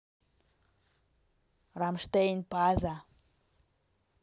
rammstein pussy